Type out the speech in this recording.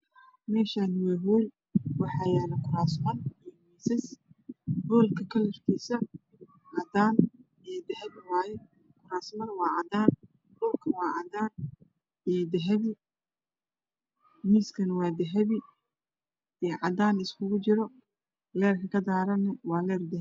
Meeshaani waa hool waxaa yaalo kuraasman iyo miisas hoolka kalarkiisu waa cadaan iyo dahabi, kuraasmadu waa cadaan dhulkuna waa cadaan iyo dahabi. Miiskana waa dahabi iyo cadaan isku jira leyrka kadaarana waa leyr dahabi ah.